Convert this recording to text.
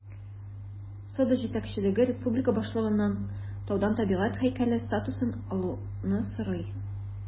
Сода җитәкчелеге республика башлыгыннан таудан табигать һәйкәле статусын алуны сорый.